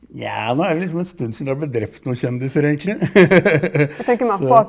nja når er det liksom en stund siden det har blitt drept noen kjendiser egentlig så.